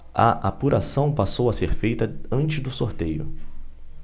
a apuração passou a ser feita antes do sorteio